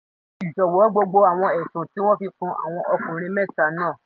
Wọ́n ti jọ̀wọ́ gbogbo àwọn ẹ̀sùn tí wọ́n fi kan àwọn ọkùnrin mẹ́ta náà.